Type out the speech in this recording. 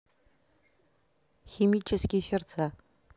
химические сердца